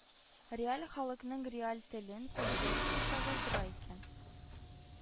Реаль халыкның реаль телен, культурасын чагылдыра икән,